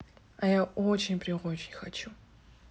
а я очень приочень хочу